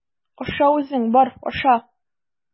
Аша үзең, бар, аша!